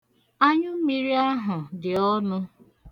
Anyụmmiri ahụ dị ọnụ.